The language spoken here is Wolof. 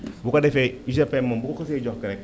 bu ko defee UGPM moom bu ko xasee jox rek